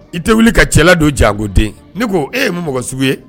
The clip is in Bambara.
I tɛ wuli ka cɛ don jagoden ne ko e ye mun mɔgɔ sugu ye